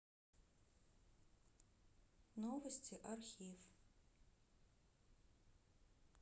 новости архив